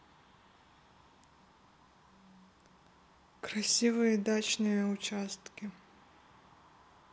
красивые дачные участки